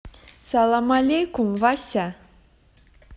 салам алейкум вася